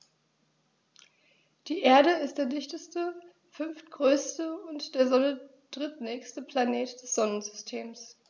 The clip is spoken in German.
Die Erde ist der dichteste, fünftgrößte und der Sonne drittnächste Planet des Sonnensystems.